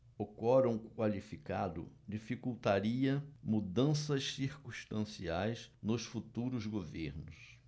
o quorum qualificado dificultaria mudanças circunstanciais nos futuros governos